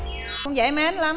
dễ mến lắm